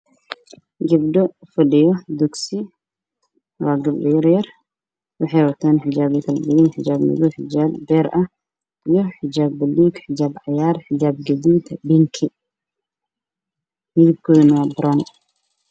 Waa gabdho somali oo dugsiga joogaan